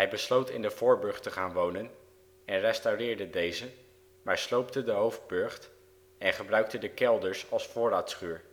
besloot in de voorburcht te gaan wonen en restaureerde deze, maar sloopte de hoofdburcht en gebruikte de kelders als voorraadschuur